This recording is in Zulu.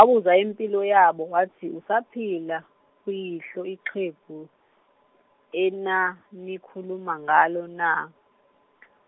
-abuza impilo yabo wathi usaphila uyihlo ixhego enanikhuluma ngalo na ?